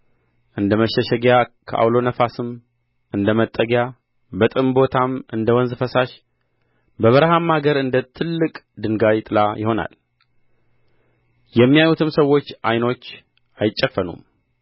እንደ መሸሸጊያ ከዐውሎ ነፋስም እንደ መጠጊያ በጥም ቦታም እንደ ወንዝ ፈሳሽ በበረሃም አገር እንደ ትልቅ ድንጋይ ጥላ ይሆናል የሚያዩትም ሰዎች ዓይኖች አይጨፈኑም